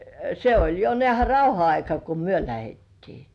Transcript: se oli jo näehän rauhan aika kun me lähdettiin